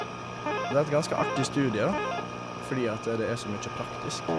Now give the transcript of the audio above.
Det er et ganske artig studie, da, fordi at det er så mye praktisk.